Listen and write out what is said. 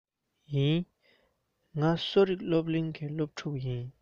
ཡིན ང གསོ རིག སློབ གླིང གི སློབ ཕྲུག ཡིན